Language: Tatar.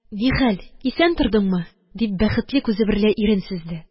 – нихәл, исән тордыңмы? – дип, бәхетле күзе берлә ирен сөзде.